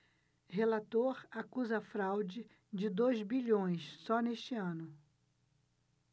relator acusa fraude de dois bilhões só neste ano